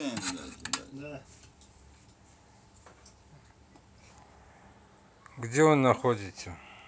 где он находится